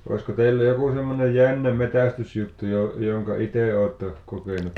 olisiko teillä joku semmoinen jännä metsästysjuttu - jonka itse olette kokenut